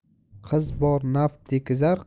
qiz bor naf tekizar